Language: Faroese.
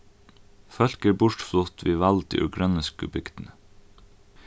fólk eru burturflutt við valdi úr grønlendsku bygdini